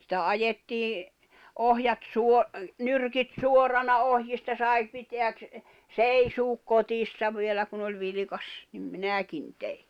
sitä ajettiin ohjat - nyrkit suorana ohjista sai pitää - seisoa kotissa vielä kun oli vilkas niin minäkin tein